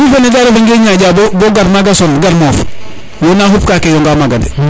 mifa nga de a refa nge ñaƴa bo garmaga son gar moof wo na xupka ke yoŋa maga de